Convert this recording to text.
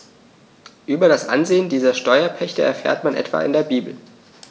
Über das Ansehen dieser Steuerpächter erfährt man etwa in der Bibel.